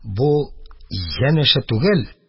Бу җен эше түгел.